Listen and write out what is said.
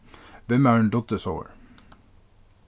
vinmaðurin dugdi sovorðið